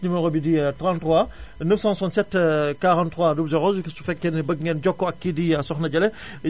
numéro bi di 33 967 43 00 su fekkee ne bëgg ngeen jokkoo ak kii di Soxna Jalle